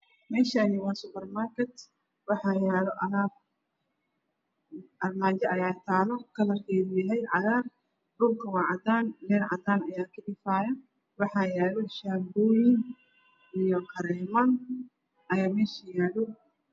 Meeshaan waa suburmarkat waxaa yaalo alaab armaajo ayaa taalo kalarkeedu cagaar dhulkana waa cadaan leyr cadaan ah ayaa ka ifaayo waxaa yaalo shaambooyin iyo kareemo.